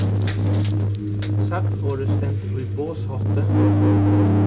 sagnorðið stendur í boðshátti